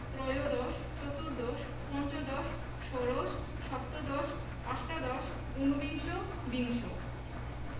ত্ৰয়োদশ চতুর্দশ পঞ্চদশ ষোড়শ সপ্তদশ অষ্টাদশ উনবিংশ বিংশ